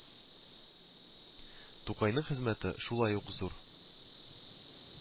Тукайның хезмәте шулай ук зур